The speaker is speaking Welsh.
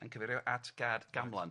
mae'n cyfeirio at Gad Gamlan.